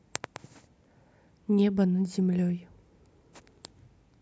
небо над землей